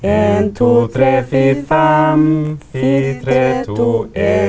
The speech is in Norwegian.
en to tre fire fem fire tre to en.